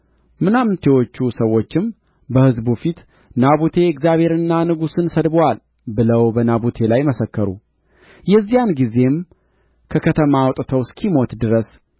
ምናምንቴዎቹ ሰዎችም በሕዝቡ ፊት ናቡቴ እግዚአብሔርንና ንጉሡን ሰድቦአል ብለው በናቡቴ ላይ መሰከሩ የዚያን ጊዜም ከከተማ አውጥተው እስኪሞት ድረስ